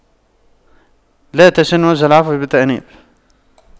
لا تشن وجه العفو بالتأنيب